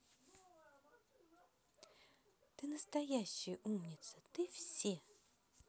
ты настоящая умница ты все